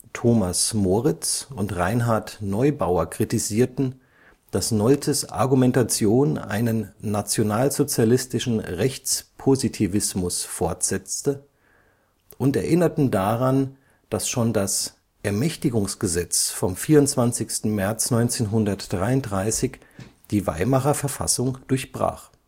Thomas Moritz und Reinhard Neubauer kritisierten, dass Noltes Argumentation einen nationalsozialistischen Rechtspositivismus fortsetze, und erinnerten daran, dass schon das „ Ermächtigungsgesetz “vom 24. März 1933 die Weimarer Verfassung durchbrach